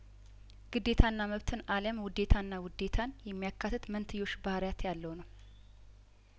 ግዴታና መብትን አለያም ውዴታና ውዴታን የሚያካትት መንት ዮሽ ባህርያት ያለው ነው